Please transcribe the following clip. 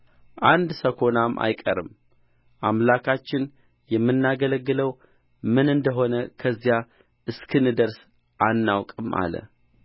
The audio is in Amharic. አንድ ሰኮናም አይቀርም አምላካችን የምናገለግለው ምን እንደሆነ ከዚያ እስክንደርስ አናውቅም አለ